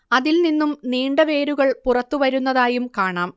അതിൽ നിന്നും നീണ്ട വേരുകൾ പുറത്തു വരുന്നതായും കാണാം